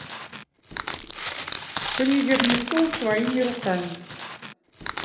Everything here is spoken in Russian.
фрезерный стол своими руками